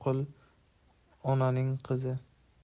yaxshi oqil onaning qizi